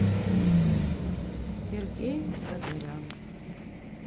сергей газорян